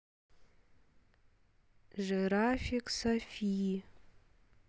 жирафик софи